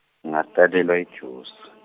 ngatalelwa eJozi.